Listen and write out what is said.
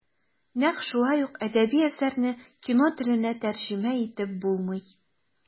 Нәкъ шулай ук әдәби әсәрне кино теленә тәрҗемә итеп булмый.